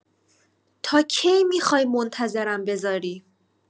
تا کی می‌خوای منتظرم بذاری؟